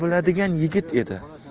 biladigan yigit edi